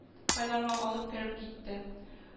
Кайларга алып кереп китте